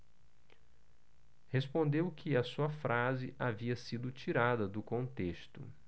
respondeu que a sua frase havia sido tirada do contexto